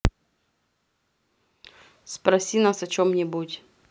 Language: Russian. спроси нас о чем нибудь